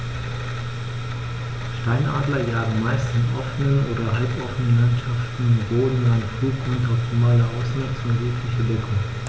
Steinadler jagen meist in offenen oder halboffenen Landschaften im bodennahen Flug unter optimaler Ausnutzung jeglicher Deckung.